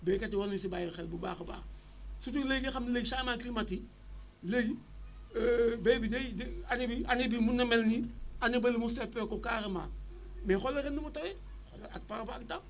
béykat yi war nañu si bàyyi xel bu baax a baax surtout léegi nga xam ne léegi changement climatique léegi béy bi day année bii année bii mën na mel nii année bële mu soppeeku carrément mais xoolal ren ni mu tawee ak par rapport ak daaw